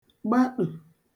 gbaṭù